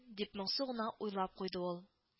Дип, моңсу гына уйлап куйды ул